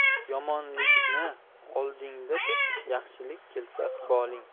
yomonlikni oldingda tut yaxshilik kelsa iqboling